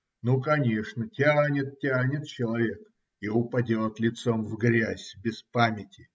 Ну, конечно, тянет-тянет человек и упадет лицом в грязь без памяти.